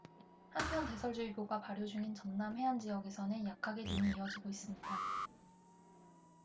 한편 대설주의보가 발효 중인 전남 해안 지역에서는 약하게 눈이 이어지고 있습니다